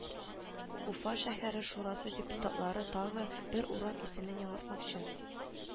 Уфа шәһәре шурасы депутатлары тагы бер урам исемен яңартмакчы